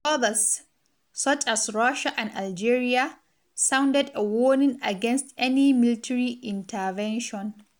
Others, such as Russia and Algeria, sounded a warning against any military intervention.